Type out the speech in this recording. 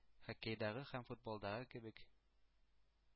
Хоккейдагы һәм футболдагы кебек,